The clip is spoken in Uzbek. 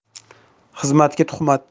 xizmatga tuhmat